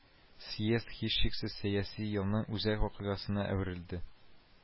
Съезд, һичшиксез, сәяси елның үзәк вакыйгасына әверелде